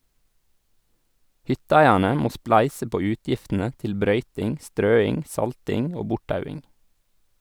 Hytteeierne må spleise på utgiftene til brøyting, strøing, salting og borttauing.